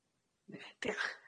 dioch.